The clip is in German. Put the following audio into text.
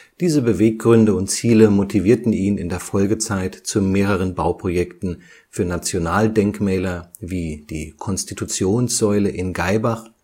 Diese Beweggründe und Ziele motivierten ihn in der Folgezeit zu mehreren Bauprojekten für Nationaldenkmäler wie die Konstitutionssäule in Gaibach